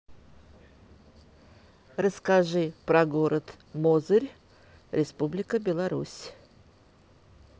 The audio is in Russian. расскажи про город мозырь республика беларусь